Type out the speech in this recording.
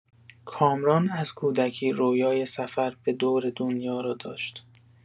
کامران از کودکی رویای سفر به دور دنیا را داشت.